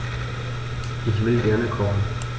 Ich will gerne kochen.